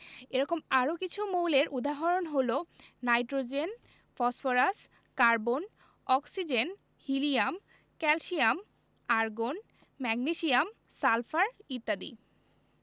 এরকম আরও কিছু মৌলের উদাহরণ হলো nitrogen phosphorus carbon oxygen helium calcium argon magnesium sulphur ইত্যাদি